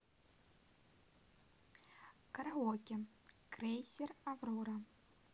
караоке крейсер аврора